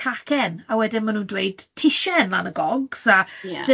cacen a wedyn ma' nhw'n dweud teisen lan y gogs a... Ie